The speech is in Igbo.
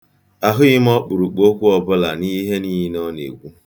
Ahụghị m ọkpụrụkpụ okwu ọbụla n'ihe niile ọ na-ekwu.